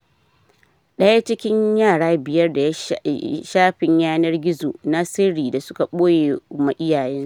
Daya cikin yara biyar na da shafin yanar gizo na sirri da suke boyema iyayen su